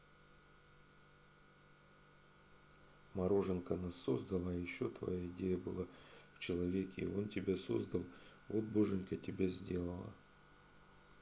мороженка нас создал а еще твоя идея была в человеке и он тебя создал вот боженька тебя сделала